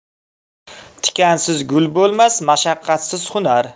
tikansiz gul bo'lmas mashaqqatsiz hunar